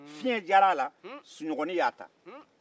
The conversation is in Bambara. fiɲɛ diyara a la sunɔgɔnin y'a ta